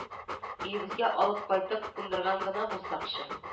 Өебезгә алып кайтып кундырган гына булсакчы